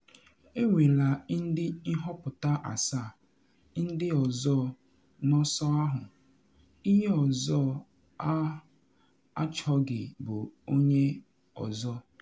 “Enweela ndị nhọpụta asaa ndị ọzọ n’ọsọ ahụ, ihe ọzọ ha achọghị bụ onye ọzọ.